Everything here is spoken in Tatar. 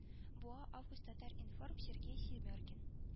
Буа август татар информ сергей семеркин